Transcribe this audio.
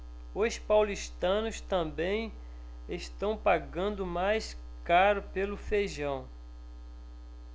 os paulistanos também estão pagando mais caro pelo feijão